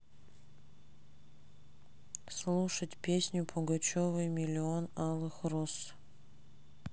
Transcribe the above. слушать песню пугачевой миллион алых роз